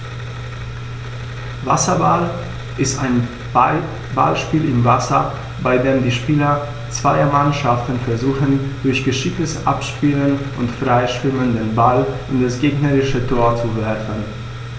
Wasserball ist ein Ballspiel im Wasser, bei dem die Spieler zweier Mannschaften versuchen, durch geschicktes Abspielen und Freischwimmen den Ball in das gegnerische Tor zu werfen.